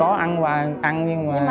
có ăn hoài ăn nhưng mà